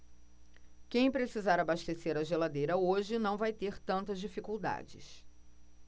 quem precisar abastecer a geladeira hoje não vai ter tantas dificuldades